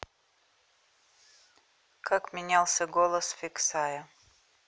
как менялся голос фиксая